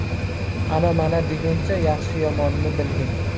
ana mana deguncha yaxshi yomonni bilgin